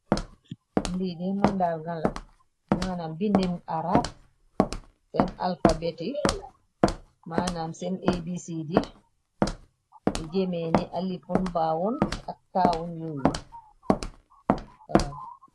Lii deh mandarr gah la, manam bindin arab, sehn alphabet yii, manam sehn ABCD, lii jeuhmeh nii alifun, baaun, ak taaun yoyu waw.